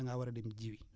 da ngaa war a dem ji wi